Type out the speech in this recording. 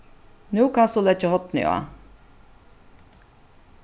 nú kanst tú leggja hornið á